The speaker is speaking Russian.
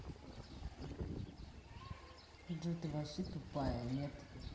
джой ты вообще тупая нет